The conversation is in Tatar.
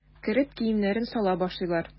Кереп киемнәрен сала башлыйлар.